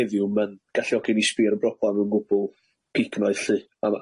heddiw ma'n galluogi ni sbïo ar broblam yn gwbwl cignoeth 'lly a